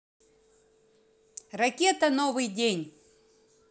ракета новый день